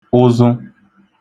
ụżụ